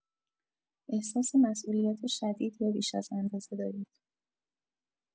احساس مسئولیت شدید یا بیش ازاندازه دارید.